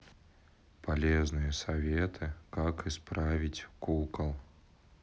полезные советы как исправить кукол